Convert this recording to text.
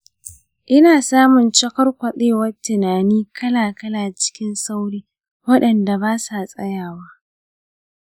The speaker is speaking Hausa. ina samun cakwarkwaɗewar tunani kala-kala cikin sauri waɗanda ba sa tsayawa.